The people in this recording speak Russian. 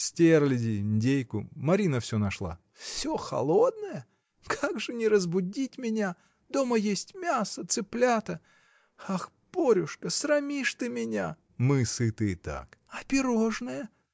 — Стерляди, индейку: Марина всё нашла! — Всё холодное! Как же не разбудить меня! Дома есть мясо, цыплята. Ах, Борюшка, срамишь ты меня! — Мы сыты и так. — А пирожное?